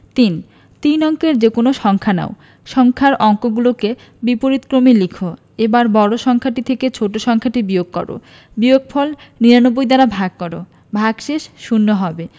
৩ তিন অঙ্কের যেকোনো সংখ্যা নাও সংখ্যার অঙ্কগুলোকে বিপরীতক্রমে লিখ এবার বড় সংখ্যাটি থেকে ছোট সংখ্যাটি বিয়োগ কর বিয়োগফল ৯৯ দ্বারা ভাগ কর ভাগশেষ শূন্য হবে